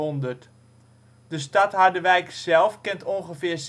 De stad Harderwijk zelf kent ongeveer